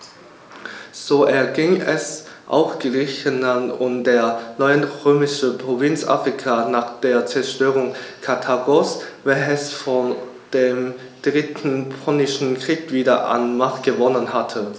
So erging es auch Griechenland und der neuen römischen Provinz Afrika nach der Zerstörung Karthagos, welches vor dem Dritten Punischen Krieg wieder an Macht gewonnen hatte.